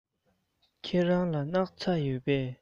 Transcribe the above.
ཁྱེད རང ལ སྣག ཚ ཡོད པས